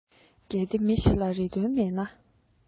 གལ ཏེ མི ཞིག ལ རེ འདུན མེད ན